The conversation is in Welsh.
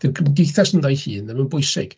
'Di'r Gymdeithas ynddo ei hun ddim yn bwysig.